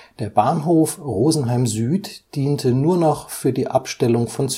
Der Bahnhof Rosenheim Süd diente nur noch für die Abstellung von